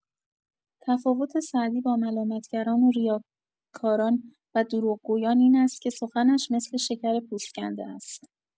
تفاوت سعدی با ملامتگران و ریاکاران و دروغگویان این است که سخنش مثل «شکر پوست‌کنده» است.